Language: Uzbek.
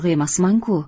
emasman ku